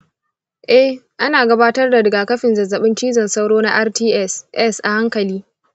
e, ana gabatar da rigakafin zazzaɓin cizon sauro na rts,s a hankali.